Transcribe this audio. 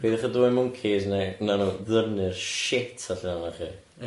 Peidwch â dwy mwncis neu nawn nhw ddyrnu'r shit allan ohonoch chi.